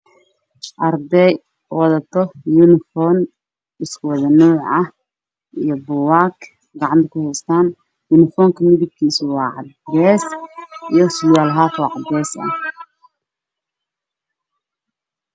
Arday wadato uniforn isku wada nooc ah